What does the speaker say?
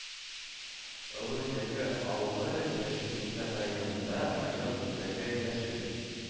Олы Җәке авылы Яшел Үзән районында, район үзәге Яшел